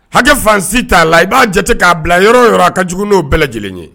Hakɛ fansi t'a la i b'a jate k'a bila yɔrɔ yɔrɔ a ka jugu n'o bɛɛ lajɛlen ye